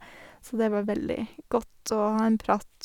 Så det var veldig godt å ha en prat.